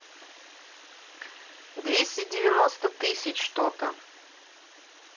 двести девяносто тысяч что то